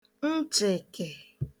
nchị̀kị